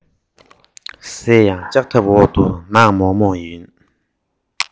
གསལ ཡང ལྕགས ཐབ འོག ཏུ ནག མོག མོག ཡིན